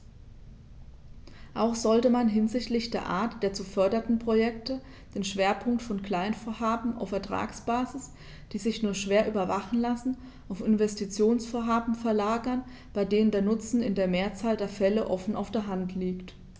Auch sollte man hinsichtlich der Art der zu fördernden Projekte den Schwerpunkt von Kleinvorhaben auf Ertragsbasis, die sich nur schwer überwachen lassen, auf Investitionsvorhaben verlagern, bei denen der Nutzen in der Mehrzahl der Fälle offen auf der Hand liegt.